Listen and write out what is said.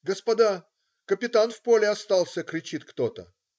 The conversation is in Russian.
"Господа, капитан в поле остался",- кричит кто-то.